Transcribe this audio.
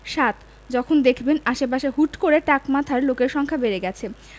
৭. যখন দেখবেন আশপাশে হুট করে টাক মাথার লোকের সংখ্যা বেড়ে গেছে